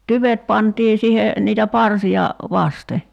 tyvet pantiin siihen niitä parsia vasten